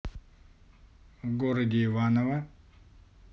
в городе иваново